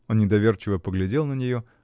Он недоверчиво поглядел на нее